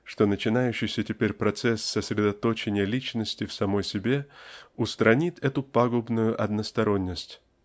что начинающийся теперь процесс сосредоточения личности в самой себе устранит эту пагубную односторонность.